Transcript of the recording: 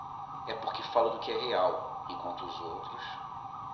é porque falo do que é real enquanto os outros